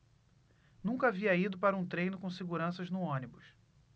nunca havia ido para um treino com seguranças no ônibus